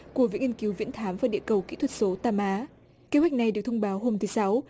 của viện nghiên cứu viễn thám và địa cầu kỹ thuật số tam á kế hoạch này được thông báo hôm thứ sáu